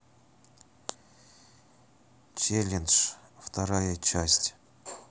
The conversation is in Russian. челлендж вторая часть